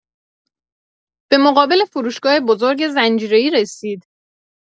به مقابل فروشگاه بزرگ زنجیره‌ای رسید.